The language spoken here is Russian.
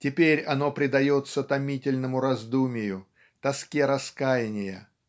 Теперь оно предается томительному раздумию, тоске раскаяния.